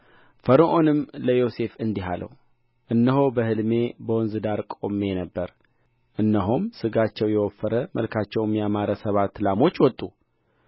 ፈርዖንም ለዮሴፍ እንዲህ አለው እነሆ በሕልሜ በወንዝ ዳር ቆሜ ነበር እነሆም ሥጋቸው የወፈረ መልካቸውም ያማረ ሰባት ላሞች ወጡ